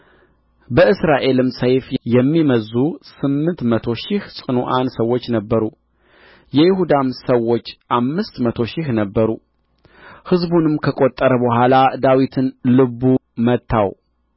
በእስራኤልም ሰይፍ የሚመዝዙ ስምንት መቶ ሺህ ጽኑዓን ሰዎች ነበሩ የይሁዳም ሰዎች አምስት መቶ ሺህ ነበሩ ሕዝቡንም ከቈጠረ በኋላ ዳዊትን ልቡ መታው